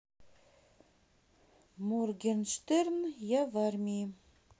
morgenshtern я в армии